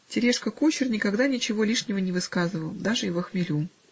Терешка кучер никогда ничего лишнего не высказывал, даже и во хмелю.